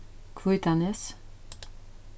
hvítanes